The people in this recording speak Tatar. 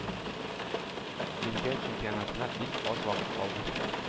Дөнья Чемпионатына бик аз вакыт калды.